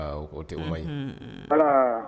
K o tɛ ma ɲi pa